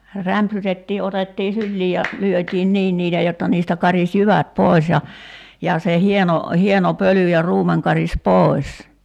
rämpsytettiin otettiin syliin ja lyötiin niin niitä jotta niistä karisi jyvät pois ja ja se hieno hieno pöly ja ruumen karisi pois